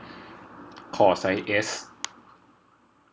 ขอไซส์เอส